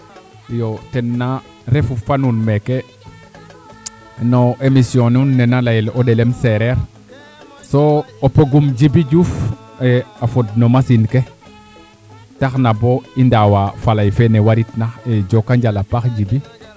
iyo ten refu fa nuun meeke no emission nuun nene na layel o ɗelem seereer soo o pogum Djiby Diouf a fod no machine ke taxna i ndaawa fa lay fee a paax ne warit na e njok a njal a paax Djiby